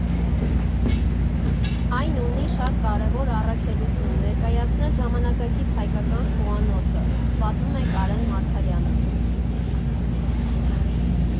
«Այն ունի շատ կարևոր առաքելություն՝ ներկայացնել ժամանակակից հայկական խոհանոցը, ֊ պատմում է Կարեն Մարգարյանը։